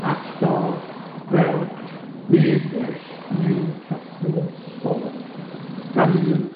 at Dodd fel The English New Testament Scholar, gan un